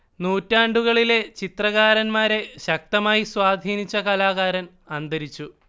നൂറ്റാണ്ടുകളിലെ ചിത്രകാരന്മാരെ ശക്തമായി സ്വാധീനിച്ച കലാകാരൻ അന്തരിച്ചു